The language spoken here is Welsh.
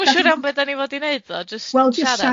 Dwi'm yn siŵr iawn be 'dan ni fod i neud ddo, jyst sharad?